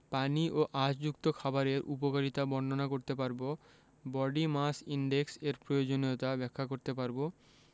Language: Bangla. পানি ও আশযুক্ত খাবারের উপকারিতা বর্ণনা করতে পারব বডি মাস ইনডেক্স এর প্রয়োজনীয়তা ব্যাখ্যা করতে পারব